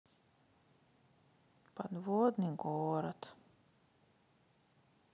подводный город